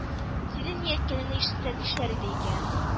Синең ни әйткәнеңне ишетсә нишләр иде икән